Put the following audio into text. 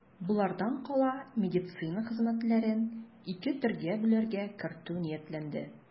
Болардан кала медицина хезмәтләрен ике төргә бүләргә кертү ниятләнде.